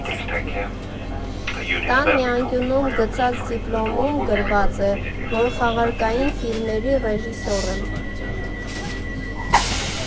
Տան մի անկյունում գցած դիպլոմում գրված է, որ խաղարկային ֆիլմերի ռեժիսոր եմ։